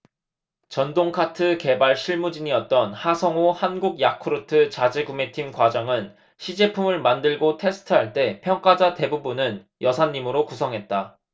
전동카트 개발 실무진이었던 하성오 한국야쿠르트 자재구매팀 과장은 시제품을 만들고 테스트할 때 평가자 대부분은 여사님으로 구성했다